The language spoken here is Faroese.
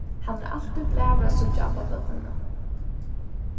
hann er altíð glaður at síggja abbabørnini